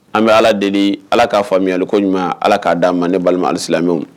An bɛ allah deeli allah k'a faamukoɲuman allah k''o d'a ma, ne balima alisilamɛw